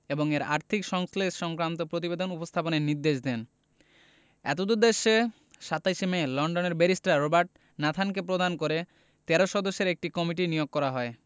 এবং এর আর্থিক সংশ্লেষ সংক্রান্ত প্রতিবেদন উপস্থাপনের নির্দেশ দেন এতদুদ্দেশ্যে ২৭ মে লন্ডনের ব্যারিস্টার রবার্ট নাথানকে প্রধান করে ১৩ সদস্যের একটি কমিটি নিয়োগ করা হয়